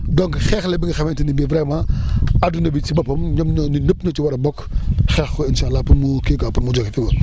donc xeex la bi nga xamante ne bii vraiment àdduna bi ci boppam ñoom ñoo ñun ñëpp ñoo ci war a bokk xeex ko incha allah pour mu kii quoi pour mu jóge fi woon